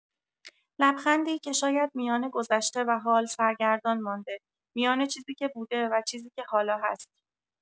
لبخندی که شاید میان گذشته و حال سرگردان مانده، میان چیزی که بوده و چیزی که حالا هست.